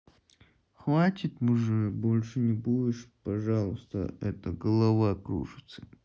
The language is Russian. хватит уже больше не будешь пожалуйста это голова кружится